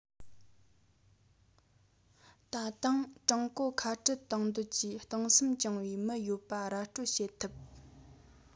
ད དུང ཀྲུང གོ ཁ བྲལ གཏོང འདོད ཀྱི སྟོང སེམས བཅངས བའི མི ཡོད པ ར སྤྲོད བྱེད ཐུབ